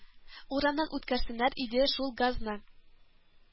Урамнан үткәрсеннәр иде шул газны